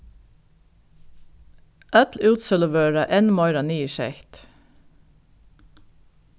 øll útsøluvøra enn meira niðursett